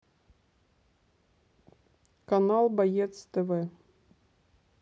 канал боец тв